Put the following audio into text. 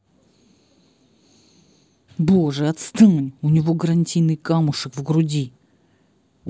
боже отстань у него гранитный камушек в груди